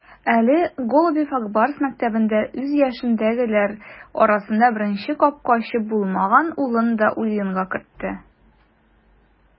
Әле Голубев "Ак Барс" мәктәбендә үз яшендәгеләр арасында беренче капкачы булмаган улын да уенга кертте.